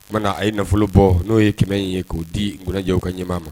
O tuma a ye nafolo bɔ n'o ye kɛmɛ in ye k'o di kunnajɛw ka ɲɛmaa ma